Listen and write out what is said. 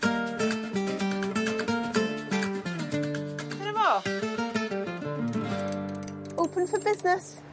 Dyna fo? Open for business.